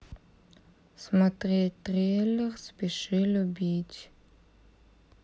смотреть трейлер спеши любить